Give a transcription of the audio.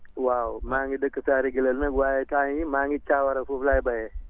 waaw maa ngi dëkk Thiara Gilel nag waaye temps yii maa ngi Thiawara foofu laay béyee